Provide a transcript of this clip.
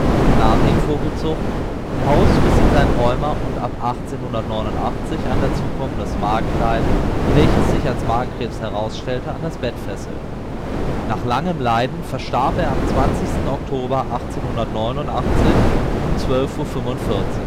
– aus, bis ihn sein Rheuma und ab 1889 ein dazukommendes Magenleiden, welches sich als Magenkrebs herausstellte, an das Bett fesselten. Nach langem Leiden verstarb er am 20. Oktober 1889 um 12:45 Uhr